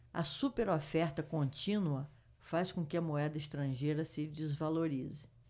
a superoferta contínua faz com que a moeda estrangeira se desvalorize